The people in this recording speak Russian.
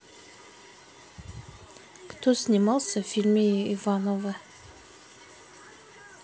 кто снимался в фильме ивановы